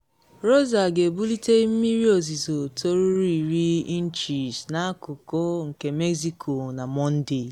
Rosa ga-ebulite mmiri ozizo toruru 10 inchis n’akụkụ nke Mexico na Mọnde.